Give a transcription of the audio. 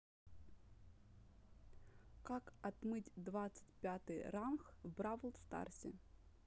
как отмыть двадцать пятый ранг в бравл старсе